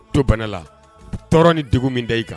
To bana la tɔɔrɔ ni degun min da i kan